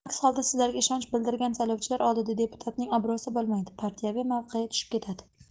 aks holda sizlarga ishonch bildirgan saylovchilar oldida deputatning obro'si bo'lmaydi partiyaning mavqeyi tushib ketadi